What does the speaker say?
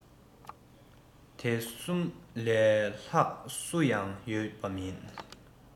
དེ གསུམ ལས ལྷག སུ ཡང ཡོད པ མིན